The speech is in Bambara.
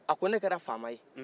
a ko ne kɛra fama ye